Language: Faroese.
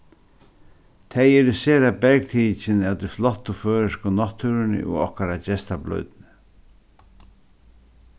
tey eru sera bergtikin av tí flottu føroysku náttúruni og okkara gestablídni